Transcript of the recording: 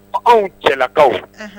Anw cɛlakaw